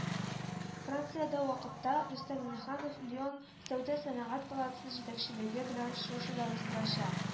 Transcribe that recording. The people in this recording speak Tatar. Франциядә вакытта Рөстәм Миңнеханов Лион Сәүдә-сәнәгать палатасы җитәкчелеге белән очрашулар уздырачак